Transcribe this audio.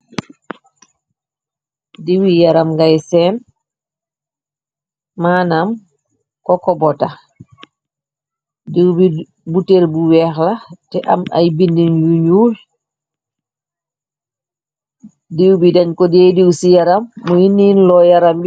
diiwi yaram ngay seen manam ko ko bota diiw bi buter bu weex la te am ay bindin yu ñuul diiw bi dañ ko dee diw ci yaram muy niin loo yaram i